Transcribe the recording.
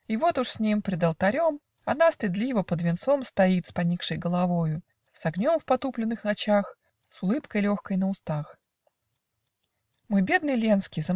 И вот уж с ним пред алтарем Она стыдливо под венцом Стоит с поникшей головою, С огнем в потупленных очах, С улыбкой легкой на устах. Мой бедный Ленский!